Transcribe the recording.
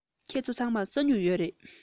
ཁྱེད ཚོ ཚང མར ས སྨྱུག ཡོད རེད